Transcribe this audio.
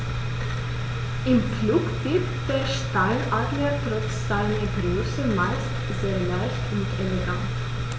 Im Flug wirkt der Steinadler trotz seiner Größe meist sehr leicht und elegant.